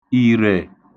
ìrè